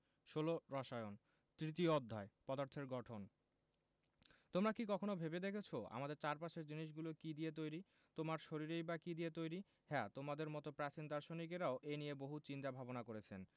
১৬ রসায়ন তৃতীয় অধ্যায় পদার্থের গঠন তোমরা কি কখনো ভেবে দেখেছ আমাদের চারপাশের জিনিসগুলো কী দিয়ে তৈরি তোমার শরীরই বা কী দিয়ে তৈরি হ্যাঁ তোমাদের মতো প্রাচীন দার্শনিকেরাও এ নিয়ে বহু চিন্তা ভাবনা করেছেন